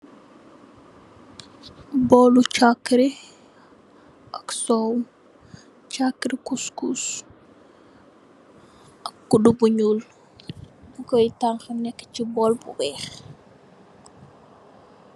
Boolu caakery ak soow, caakery kuskus, ak kutdu bu nyuul, ku koy tangxe kekk si bool bu weex.